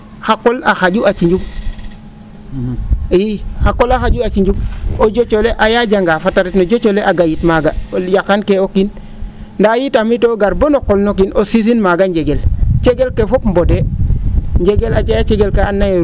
a qol a xa?u a ciinjum ii a qol a xa?u a ciinjum o joc ole a yaajanga fat ta ret noo joc ole a gayik maaga kon yaqankee o kiin ndaa yitamitoo gar boo no qol no kiin o sisin maaga njegel cegel ke fop mbondee njegel a jega cegel kaa andoona yee